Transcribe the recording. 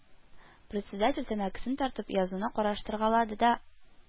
Председатель, тәмәкесен тартып, язуны караштырга-лады да: